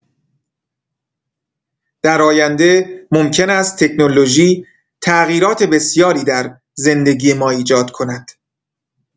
در آینده ممکن است تکنولوژی تغییرات بسیاری در زندگی ما ایجاد کند.